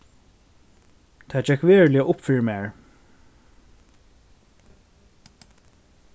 tað gekk veruliga upp fyri mær